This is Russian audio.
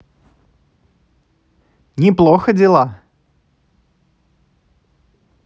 неплохо дела